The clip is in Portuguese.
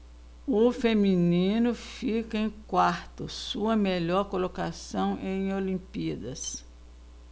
o feminino fica em quarto sua melhor colocação em olimpíadas